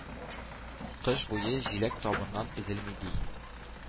Кыш буе җиләк табыннан өзелми”, – ди